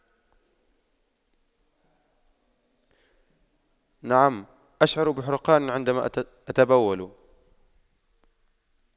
نعم أشعر بحرقان عندما أتبول